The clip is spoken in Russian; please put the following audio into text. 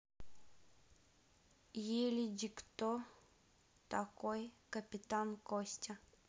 elli di кто такой капитан костя